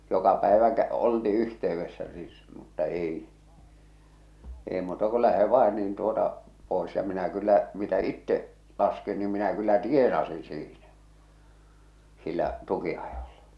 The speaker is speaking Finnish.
joka päivä - oltiin yhteydessä - mutta ei ei muuta kuin lähde vain niin tuota pois ja minä kyllä mitä itse laskin niin minä kyllä tienasin siinä sillä tukinajolla